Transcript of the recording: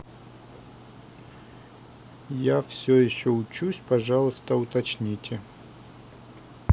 я все еще учусь пожалуйста уточните